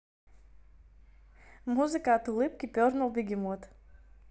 музыка от улыбки пернул бегемот